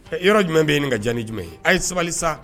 Yɔrɔ jumɛn bɛ ɲininka ka janani jumɛn ye a ye sabali sa